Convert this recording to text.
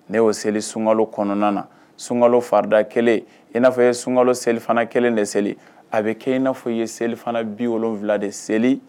Ne y'o seli sunka kɔnɔna na sunkalo farida kelen i n'a fɔ ye sunka selifana kelen de seli a bɛ kɛ in n'a fɔ ye selifana biwula de seli